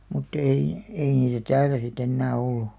mutta ei ei niitä täällä sitten enää ollut